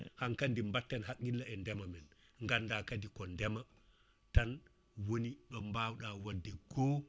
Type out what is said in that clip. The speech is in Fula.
hankkandi batten haqqille e deema men ganda kadi ko deema tan woni ɗo mbawɗa wadde ko